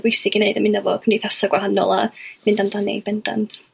ofnadwy o bwsig i neud ymuno 'fo cymdeithasa' gwahanol a mynd amdani bendant.